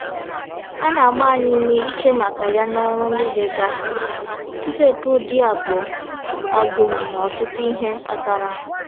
A na-agba anyị ụme ịche maka ya n'ọrụ niile gasị. Ntụte nke ụdịdị a bụ a gụnyere ọtụtụ ihe kpatara.